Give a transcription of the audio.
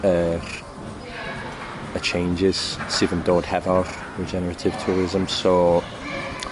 yr y changes sydd yn dod hefo'r regenerative tourism so